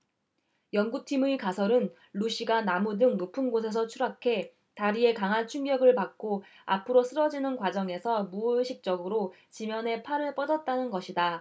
연구팀의 가설은 루시가 나무 등 높은 곳에서 추락해 다리에 강한 충격을 받고 앞으로 쓰러지는 과정에서 무의식적으로 지면에 팔을 뻗었다는 것이다